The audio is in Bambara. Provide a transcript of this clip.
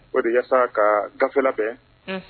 O de yasa ka gafela bɛn